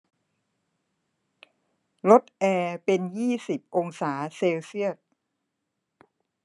ลดแอร์เป็นยี่สิบองศาเซลเซียส